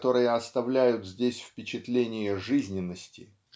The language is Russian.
которые оставляют здесь впечатление жизненности.